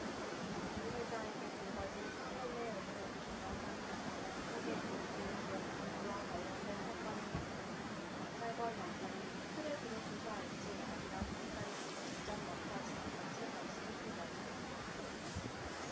이 회장에게 불거진 성매매 의혹 동영상 사건은 세계 굴지의 기업 총수와 관련된 사건인 만큼 검찰과 경찰이 투트랙으로 수사할지 아니면 검찰이 직접 맡아 진행할지 관심이 쏠렸다